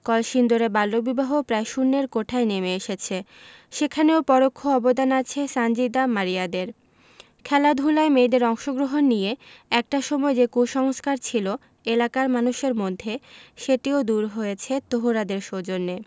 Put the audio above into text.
কলসিন্দুরে বাল্যবিবাহ প্রায় শূন্যের কোঠায় নেমে এসেছে সেখানেও পরোক্ষ অবদান আছে সানজিদা মারিয়াদের খেলাধুলায় মেয়েদের অংশগ্রহণ নিয়ে একটা সময় যে কুসংস্কার ছিল এলাকার মানুষের মধ্যে সেটিও দূর হয়েছে তহুরাদের সৌজন্যে